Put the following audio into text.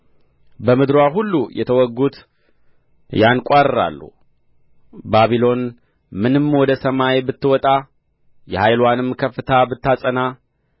በምድርዋም ላይ ሁሉ የተወጉት ያንቋርራሉ ባቢሎን ምንም ወደ ሰማይ ብትወጣ የኃይልዋንም ከፍታ ብታጸና